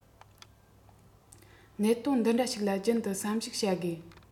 གནད དོན འདི འདྲ ཞིག ལ རྒྱུན དུ བསམ གཞིགས བྱ དགོས